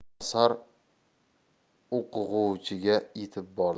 asar o'qig'uvchiga yetib bordi